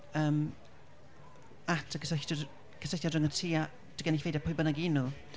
yym, at y gysylltiad cysylltiad rhyngddot ti a, dy gynulleidfa, pwy bynnag 'y nhw.